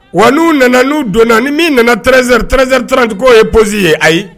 Wa n'u nana n'u donna ni min nana tzeri- zri trtikaw ye pɔsi ye ayi